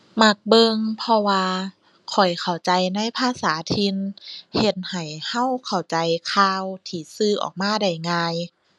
มักเบิ่ง เพราะว่าข้อยเข้าใจในภาษาถิ่น เฮ็ดให้เราเข้าใจข่าวที่สื่อออกมาได้ง่าย